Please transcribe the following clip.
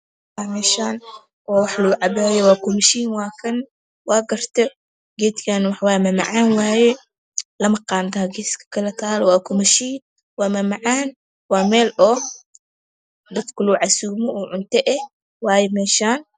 Meshaan waa meel lagu capaayo capashiin waaye ka waa gartee geedkaan waxaa waye mamacaan wayee lapo qanda geska kalataalo kupashiin waa mamacaan waa meel oo dadka lagu cazuumo oo cunta ah waaye meshaan